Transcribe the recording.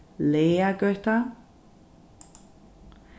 laðagøta